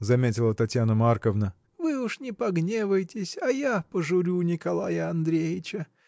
— заметила Татьяна Марковна, — вы уж не погневайтесь, а я пожурю Николая Андреича.